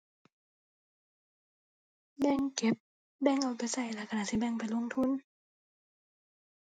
แบ่งเก็บ แบ่งเอาไปใช้แล้วใช้น่าสิแบ่งไปลงทุน